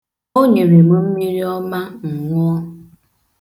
O nyere m mmiri ọma m ṅuọ